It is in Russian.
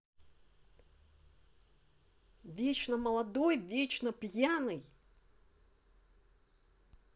вечно молодой вечно пьяный